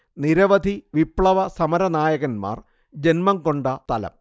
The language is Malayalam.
നിരവധി വിപ്ലവ സമരനായകന്മാർ ജന്മം കൊണ്ട സ്ഥലം